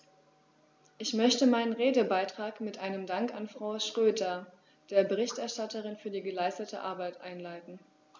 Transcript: Ich möchte meinen Redebeitrag mit einem Dank an Frau Schroedter, der Berichterstatterin, für die geleistete Arbeit einleiten.